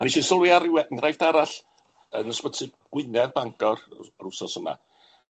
A wnes i sylwi ar ryw enghraifft arall yn ysbyty Gwynedd, Bangor yy yr wsnos yma.